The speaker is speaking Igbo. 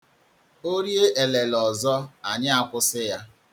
O rie elele ọzọ, anyị akwụsị ya.